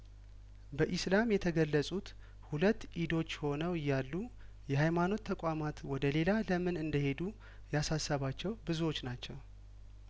በኢስላም የተገለጹት ሁለት ኢዶች ሆነው እያሉ የሀይማኖት ተቋማት ወደ ሌላ ለምን እንደሄዱ ያሳሰባቸው ብዙዎች ናቸው